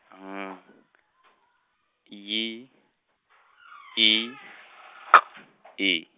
N , Y, I, K I.